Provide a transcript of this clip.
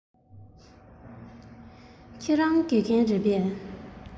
ཁྱེད རང དགེ རྒན རེད པས